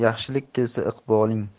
yaxshilik kelsa iqboling